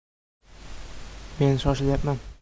men shoshilayapman